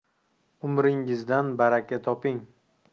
umringizdan baraka toping